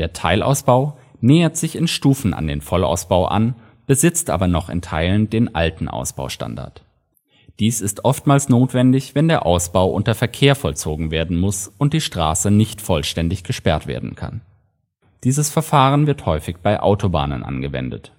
Teilausbau nähert sich in Stufen an den Vollausbau an, besitzt aber noch in Teilen den alten Ausbaustandard. Dies ist oftmals notwendig, wenn der Ausbau unter Verkehr vollzogen werden muss und die Straße nicht vollständig gesperrt werden kann. Dieses Verfahren wird häufig bei Autobahnen angewendet